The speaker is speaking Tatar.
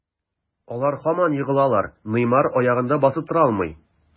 Алар һаман егылалар, Неймар аягында басып тора алмый.